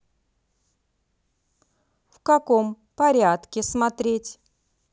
в каком порядке смотреть